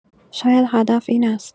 شاید هدف این است.